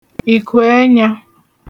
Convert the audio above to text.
ìkùẹnya